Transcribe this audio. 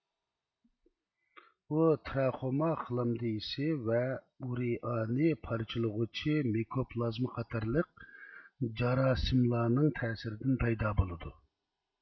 ئۇ تراخوما خىلامديىسى ۋە ئۇرېئانى پارچىلىغۇچى مىكوپلازما قاتارلىق جاراسىملارنىڭ تەسىرىدىن پەيدا بولىدۇ